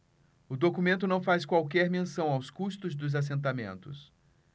o documento não faz qualquer menção aos custos dos assentamentos